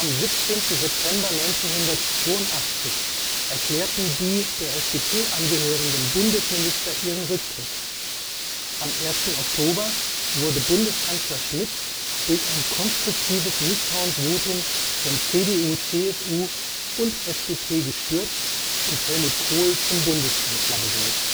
17. September 1982 erklärten die der FDP angehörenden Bundesminister ihren Rücktritt, am 1. Oktober wurde Bundeskanzler Schmidt durch ein konstruktives Misstrauensvotum von CDU/CSU und FDP gestürzt und Helmut Kohl zum Bundeskanzler gewählt